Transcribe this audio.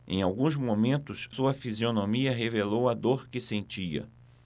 em alguns momentos sua fisionomia revelou a dor que sentia